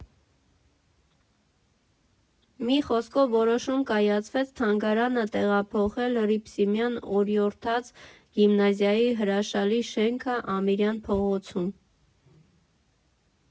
Մի խոսքով, որոշում կայացվեց թանգարանը տեղափոխել Հռիփսիմյան օրիորդաց գիմնազիայի հրաշալի շենքը Ամիրյան փողոցում։